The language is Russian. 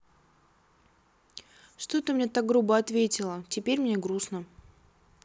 что ты мне так грубо ответила мне теперь грустно